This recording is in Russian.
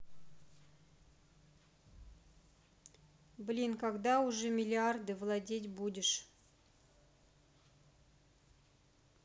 блин когда уже миллиарды владеть будешь